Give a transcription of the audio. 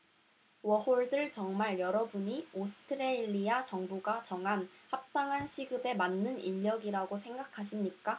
워홀들 정말 여러분이 오스트레일리아 정부가 정한 합당한 시급에 맞는 인력이라고 생각하십니까